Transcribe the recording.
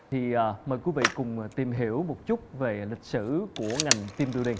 thì à mà quý vị cùng tìm hiểu một chút về lịch sử của ngành tim biu đinh